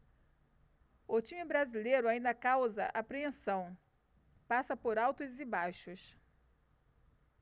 o time brasileiro ainda causa apreensão passa por altos e baixos